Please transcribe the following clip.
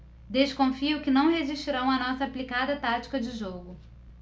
desconfio que não resistirão à nossa aplicada tática de jogo